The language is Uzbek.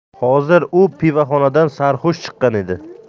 hozir u pivoxonadan sarxush chiqqan edi